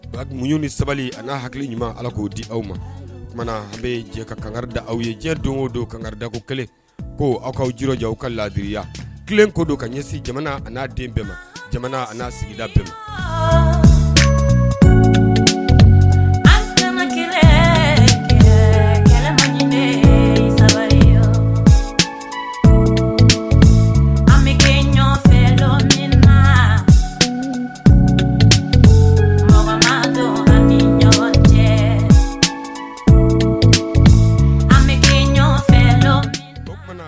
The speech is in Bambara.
Munɲ ni sabali an n'a hakili ɲuman ala k'o di aw ma tuma an bɛ jɛ ka kanga da aw ye diɲɛ don o don kanga dako kelen ko aw kaaw jija aw ka ladiririya kelen ko don ka ɲɛsin jamana ani n'a den bɛɛ ma jamana n'a sigi la a kelen sabali an bɛfɛ min na mɔgɔ dɔ ni ɲɔgɔn cɛ ami bɛfɛ min